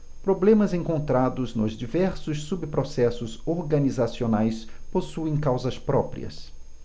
problemas encontrados nos diversos subprocessos organizacionais possuem causas próprias